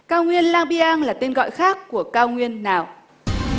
cao nguyên la bi ang là tên gọi khác của cao nguyên nào